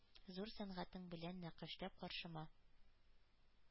Зур сәнгатең белән нәкышләп, каршыма!